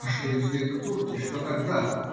А что, если это турки? Что тогда?